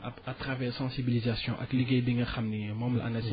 à à travers sensibilisation ak liggéey bi nga xam ni moom la ANACIM